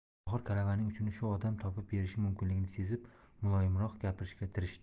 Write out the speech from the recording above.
tohir kalavaning uchini shu odam topib berishi mumkinligini sezib muloyimroq gapirishga tirishdi